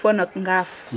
fo no ngaaf